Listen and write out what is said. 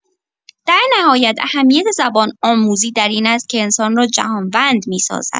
در نهایت، اهمیت زبان‌آموزی در این است که انسان را جهان‌وند می‌سازد.